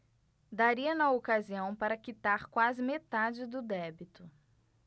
daria na ocasião para quitar quase metade do débito